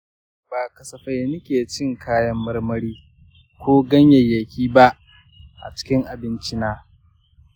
ba kasafai nike cin kayan marmari ko ganyayyaki ba a cikin abincina